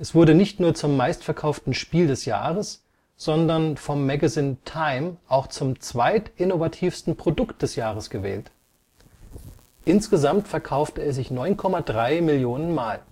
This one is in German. wurde nicht nur zum meistverkauften Spiel des Jahres, sondern vom Magazin TIME auch zum zweitinnovativsten Produkt des Jahres gewählt. Insgesamt verkaufte es sich 9,30 Millionen Mal